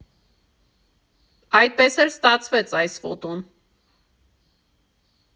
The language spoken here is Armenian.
Այդպես էլ ստացվեց այս ֆոտոն։